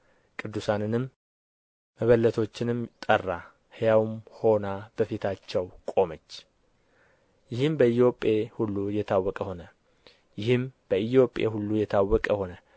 ቅዱሳንንና መበለቶችንም ጠራ ሕያውም ሆና በፊታቸው አቆማት ይህም በኢዮጴ ሁሉ የታወቀ ሆነ